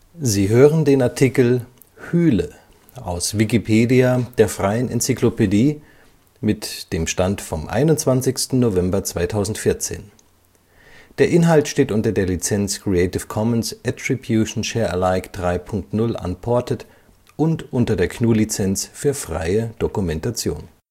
Sie hören den Artikel Hüle, aus Wikipedia, der freien Enzyklopädie. Mit dem Stand vom Der Inhalt steht unter der Lizenz Creative Commons Attribution Share Alike 3 Punkt 0 Unported und unter der GNU Lizenz für freie Dokumentation